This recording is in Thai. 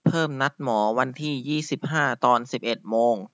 เพิ่มนัดหมอวันที่ยี่สิบห้าตอนสิบเอ็ดโมง